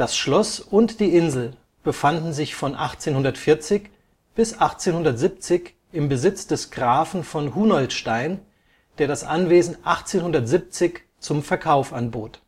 Schloss und die Insel befanden sich von 1840 bis 1870 im Besitz des Grafen von Hunoltstein, der das Anwesen 1870 zum Verkauf anbot